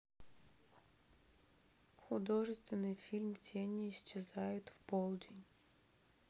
художественный фильм тени исчезают в полдень